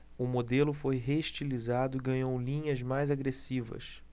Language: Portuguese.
o modelo foi reestilizado e ganhou linhas mais agressivas